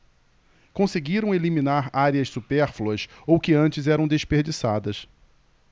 conseguiram eliminar áreas supérfluas ou que antes eram desperdiçadas